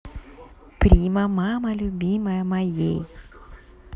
прима мама любимая моей